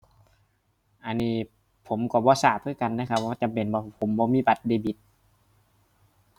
อันนี้ผมก็บ่ทราบคือกันนะครับว่าจำเป็นบ่ผมบ่มีบัตรเดบิต